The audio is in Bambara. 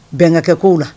Bɛn ka kɛ koo la